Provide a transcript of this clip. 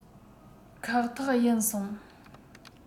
ཁེག ཐེག ཡིན སོང